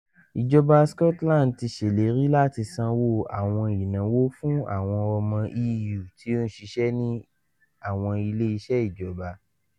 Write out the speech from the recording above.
Ìjọba Scotland ti ṣèlérí láti sanwó àwọn ìnáwó fún àwọn ọmọ EU tí ó ń ṣiṣẹ́ ní àwọn ilé iṣẹ́ ìjọba.